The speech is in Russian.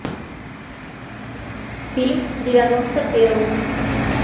фильм девяносто первый